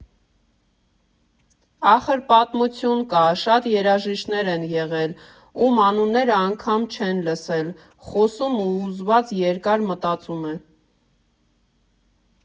Ախր պատմություն կա, շատ երաժիշտներ են եղել, ում անունները անգամ չեն լսել, ֊ խոսում է հուզված ու երկար մտածում է։